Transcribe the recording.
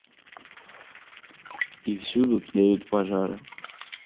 и всюду тлеют пожары